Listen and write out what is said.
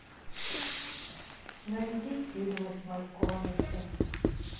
найди фильмы с макконахи